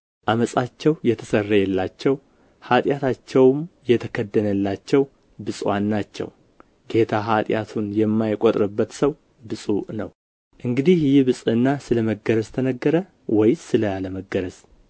ዓመፃቸው የተሰረየላቸው ኃጢአታቸውም የተከደነላቸው ብፁዓን ናቸው ጌታ ኃጢአቱን የማይቆጥርበት ሰው ብፁዕ ነው እንግዲህ ይህ ብፅዕና ስለ መገረዝ ተነገረ ወይስ ደግሞ ስለ አለመገረዝ